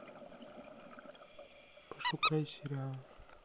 пошукай сериал